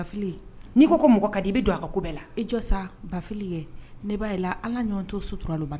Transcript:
Bafili, n'i ko ko mɔgɔ ka d'i ye i bɛ don a ka ko bɛɛ la, i jɔ sa, Bafili ye, ne b'a yela an ka ɲɔgɔn to sutura lo ban